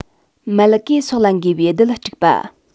མལ གོས སོགས ལ འགོས པའི རྡུལ སྤྲུགས པ